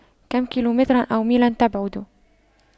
كم كيلومترا أو ميلا تبعد